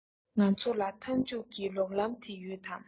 ང ཚོ ལ མཐའ མཇུག གི ལོག ལམ དེ ཡོད དམ